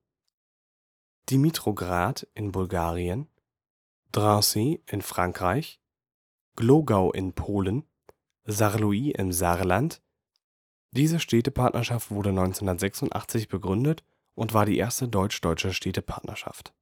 Dimitrowgrad in Bulgarien Drancy in Frankreich Glogau in Polen Saarlouis im Saarland. Diese Städtepartnerschaft wurde 1986 begründet und war die erste deutsch-deutsche Städtepartnerschaft